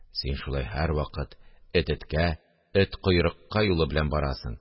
– син шулай һәрвакыт «эт – эткә, эт – койрыкка» юлы белән барасың